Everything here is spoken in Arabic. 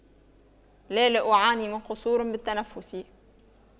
لا لا أعاني من قصور بالتنفس